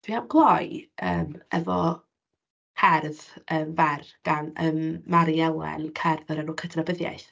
Dwi am gloi yym efo cerdd yym fer gan yym Mari Elen, cerdd o'r enw Cydnabyddiaeth.